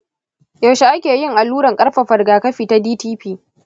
yaushe ake yin alluran ƙarfafawa rigakafi ta dtp?